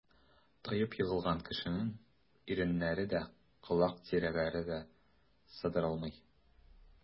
Таеп егылган кешенең иреннәре дә, колак тирәләре дә сыдырылмый.